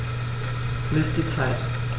Miss die Zeit.